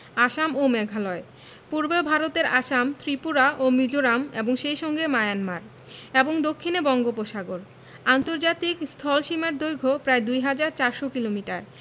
আসাম ও মেঘালয় পূর্বে ভারতের আসাম ত্রিপুরা ও মিজোরাম এবং সেই সঙ্গে মায়ানমার এবং দক্ষিণে বঙ্গোপসাগর আন্তর্জাতিক স্থলসীমার দৈর্ঘ্য প্রায় ২হাজার ৪০০ কিলোমিটার